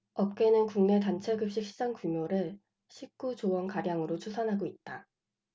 업계는 국내 단체급식 시장 규모를 십 구 조원가량으로 추산하고 있다